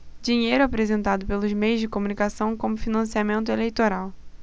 dinheiro apresentado pelos meios de comunicação como financiamento eleitoral